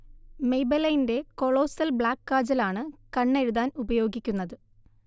മെയ്ബെലൈന്റെ colossal black kajal ആണ് കണ്ണെഴുതാൻ ഉപയോഗിക്കുന്നത്